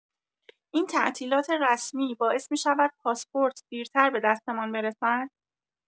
این تعطیلات رسمی باعث می‌شود پاسپورت دیرتر به دستمان برسد؟